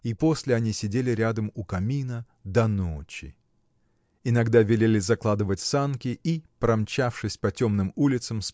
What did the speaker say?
и после они сидели рядом у камина до ночи. Иногда велели закладывать санки и промчавшись по темным улицам